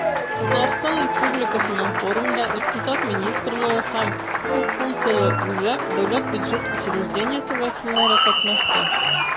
Татарстан Республикасыннан форумда Икътисад министрлыгы һәм КФҮ ДБУ вәкилләре катнашты.